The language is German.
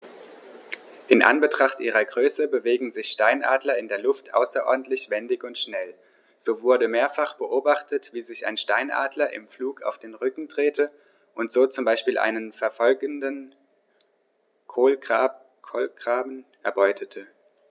In Anbetracht ihrer Größe bewegen sich Steinadler in der Luft außerordentlich wendig und schnell, so wurde mehrfach beobachtet, wie sich ein Steinadler im Flug auf den Rücken drehte und so zum Beispiel einen verfolgenden Kolkraben erbeutete.